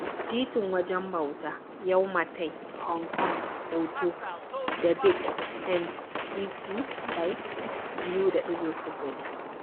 Titin wajen bauta, Yau Ma Tei, Hong Kong. Hoto: Daɓid Yan (CC BY 2.0)